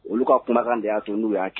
Olu ka kumakan de ya to nu ya kɛ.